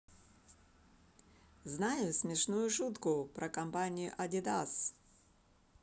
знаю смешную шутку про компанию адидас